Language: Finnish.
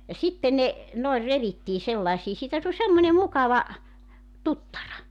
ja sitten ne noin revittiin sellaisiin siitä tuli semmoinen mukava tuttara